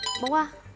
bỏ qua